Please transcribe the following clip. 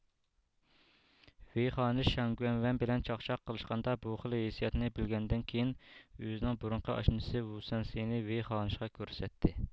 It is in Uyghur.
ۋېي خانىش شاڭگۈەنۋەن بىلەن چاخچاق قىلشقاندا بۇ خىل ھېسياتنى بىلگەندىن كېيىن ئۆزىنىڭ بۇرۇنقى ئاشنىسى ۋۇسەنسنى ۋېي خانىشقا كۆرسەتتى